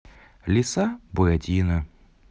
лиса буратино